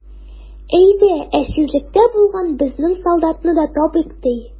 Әйдә, әсирлектә булган безнең солдатны да табыйк, ди.